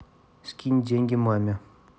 скинь деньги маме